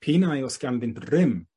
P'un ai os ganddynt rym